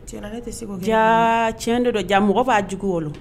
Cɛ tɛ se ja tiɲɛ dɔ dɔ ja mɔgɔ b'a jugu kɔnɔ